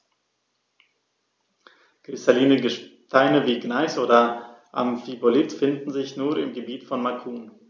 Kristalline Gesteine wie Gneis oder Amphibolit finden sich nur im Gebiet von Macun.